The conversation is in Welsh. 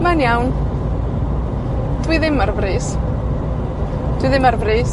Mae'n iawn. Dwi ddim ar brys. Dwi ddim ar brys.